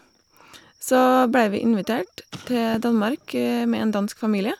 Så ble vi invitert til Danmark med en dansk familie.